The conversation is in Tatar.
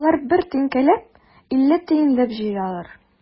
Алар бер тәңкәләп, илле тиенләп җыялар.